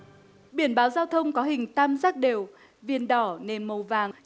biển báo giao thông có hình tam giác đều viền đỏ nền màu vàng